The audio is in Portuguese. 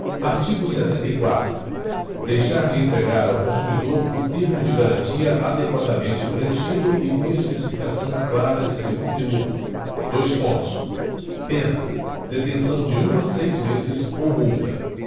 artigo setenta e quatro deixar de entregar ao consumidor o termo de garantia adequadamente preenchido e com especificação clara de seu conteúdo dois pontos pena detenção de um a seis meses ou multa